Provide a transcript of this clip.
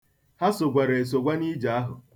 Ha sogwara esogwa n'ije ahụ.